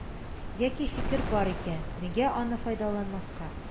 Яки фикер бар икән, нигә аны файдаланмаска